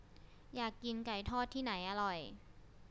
อยากกินไก่ทอดที่ไหนอร่อย